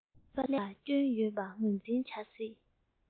ཀླད པ ལ སྐྱོན ཡོད པ ངོས འཛིན བྱ སྲིད